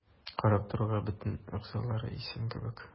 Карап торуга бөтен әгъзалары исән кебек.